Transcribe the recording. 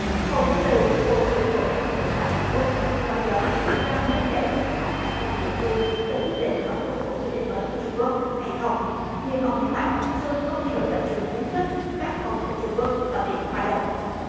hôm thứ tư bộ trưởng bộ giao thông vận tải hàn quốc nói với báo giới rằng nên để cho các hãng hàng không địa phương tự quyết định có tuân thủ quy định mới của trung quốc hay không nhưng ông nhấn mạnh sê un không thay đổi lập trường chính thức bác hồng của trung quốc ở biển hoa đông